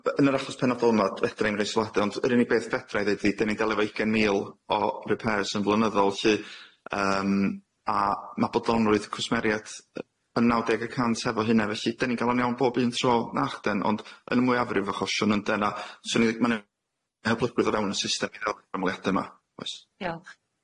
Yn ym- b- yn yr achos penodol yma d- fedra i'm rei sylwade ond yr unig beth fedra i ddeud ydi dyn ni'n delio efo ugain mil o repairs yn flynyddol lly yym a ma' bodlonrwydd cwsmeriad yy yn naw deg y cant hefo hynna felly, dyn ni'n ga'l o'n iawn bob un tro nachden, ond yn y mwyafrif achosion ynden a so o'n i'n lic- ma' new- helplygwydd o rawn y system i ddel- ymhlyade yma oes? Diolch.